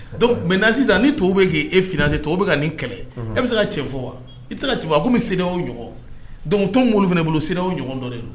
Donc maintenant sisan ni tuwawu be ke e financer tɔw be ka nin kɛlɛ unhun e be se ka tiɲɛ fɔ wa i te se ka t a be comme CDEAO ɲɔgɔn donc ton min b'olu fɛnɛ bolo CDEAO ɲɔgɔn dɔ don